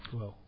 waaw